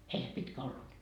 ei se pitkä ollut